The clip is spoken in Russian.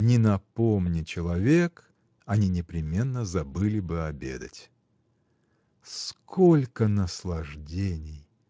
Не напомни человек, они непременно забыли бы обедать. Сколько наслаждений!